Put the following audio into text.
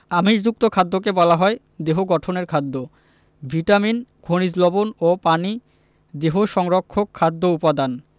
আমিষযুক্ত খাদ্যকে বলা হয় দেহ গঠনের খাদ্য ভিটামিন খনিজ লবন ও পানি দেহ সংরক্ষক খাদ্য উপাদান